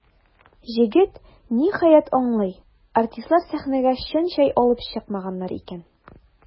Җегет, ниһаять, аңлый: артистлар сәхнәгә чын чәй алып чыкмаганнар икән.